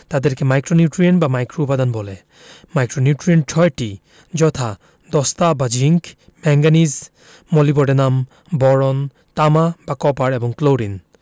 তাদেরকে মাইক্রোনিউট্রিয়েন্ট বা মাইক্রোউপাদান বলে মাইক্রোনিউট্রিয়েন্ট ৬টি যথা দস্তা বা জিংক ম্যাংগানিজ মোলিবডেনাম বোরন তামা বা কপার এবং ক্লোরিন